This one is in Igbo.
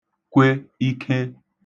kwe ik̇e